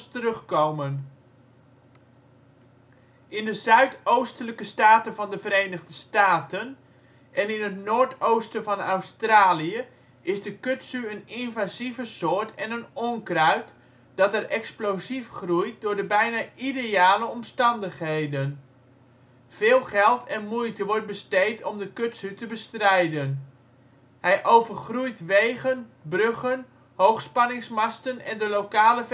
terugkomen. In de zuidoostelijke staten van de Verenigde Staten en in het noordoosten van Australië is de kudzu een invasieve soort en een onkruid, dat daar explosief groeit door de bijna ideale omstandigheden. Veel geld en moeite worden besteed om de kudzu te bestrijden. Hij overgroeit wegen, bruggen, hoogspanningsmasten en de lokale